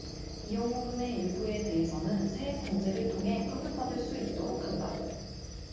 이용요금의 일부에 대해서는 세액공제를 통해 환급받을 수 있도록 한다